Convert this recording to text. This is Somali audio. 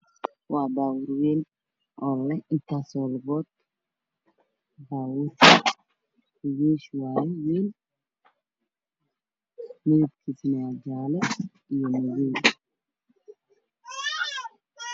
Baabuur weyn oo leh intaaso lugood, baabuurka wiish wayo weyn midabkiisu yahay jaalle iyo madow